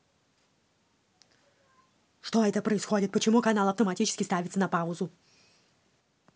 что это происходит почему канал автоматически ставится на паузу